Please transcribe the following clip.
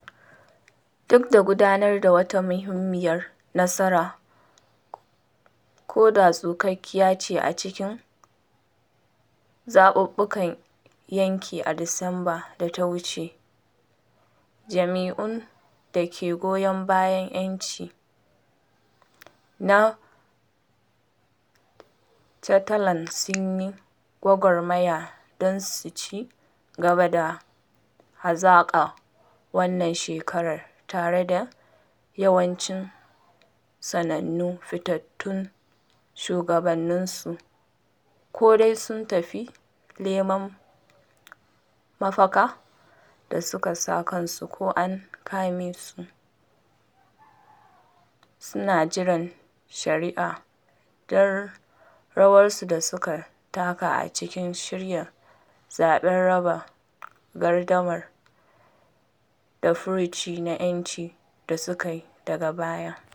Duk da gudanar da wata muhimmiyar nasara ko da tsukakkiya ce a cikin zaɓuɓɓukan yankin a Disamba da ta wuce, jam’iyyun da ke goyon bayan ‘yanci na Catalan sun yi gwagwarmaya don su ci gaba da hazaƙar wannan shekarar tare da yawancin sanannun fitattun shugabanninsu ko dai sun tafi neman mafakar da suka sa kansu ko an kame su suna jiran shari’a don rawarsu da suka taka a cikin shirya zaɓen raba gardamar da furuci na ‘yanci da suka yi daga baya.